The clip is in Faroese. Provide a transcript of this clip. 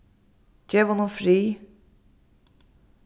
gev honum frið